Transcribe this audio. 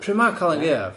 Pryd ma' Calan Gaeaf?